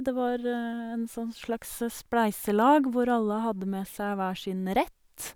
Det var en sånn slags spleiselag hvor alle hadde med seg hver sin rett.